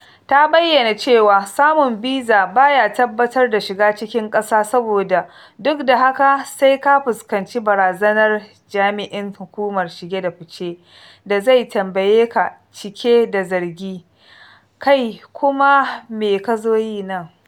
Ta bayyana cewa samun biza ba ya tabbatar da shiga cikin ƙasa saboda "duk da haka sai ka fuskanci barazanar jami'in hukumar shige da fice da zai tambaye ka cike da zargi 'Kai kuma me ka zo yi nan?'"